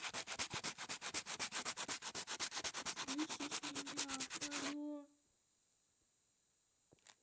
слышишь меня але